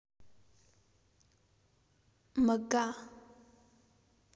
མི དགའ